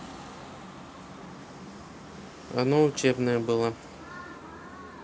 оно ученое было